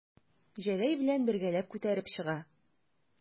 Җәләй белән бергәләп күтәреп чыга.